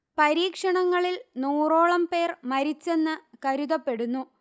പരീക്ഷണങ്ങളിൽ നൂറോളം പേർ മരിച്ചെന്ന് കരുതപ്പെടുന്നു